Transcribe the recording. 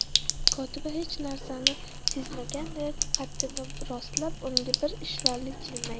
kotiba hech narsani sezmaganday qaddini rostlab unga bir ishvali jilmaydi